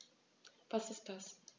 Was ist das?